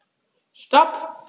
Stop.